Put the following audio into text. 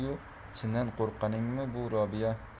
yu chindan qo'rqqaningmi bu robiya